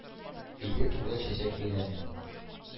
Өе тулы чәчәк бәйләме.